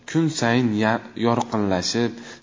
kun sayin yorqinlashib